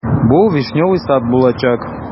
Бу "Вишневый сад" булачак.